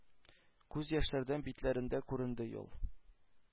Күз яшьләрдән битләрендә күренде юл;